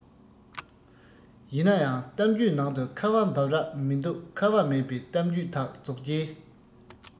ཡིན ན ཡང གཏམ རྒྱུད ནང དུ ཁ བ འབབ རབས མི འདུག ཁ བ མེད པའི གཏམ རྒྱུད དག རྗོགས རྗེས